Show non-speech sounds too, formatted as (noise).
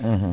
(hesitation) (hesitation)